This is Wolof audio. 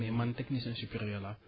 mais man technicien supérieur laa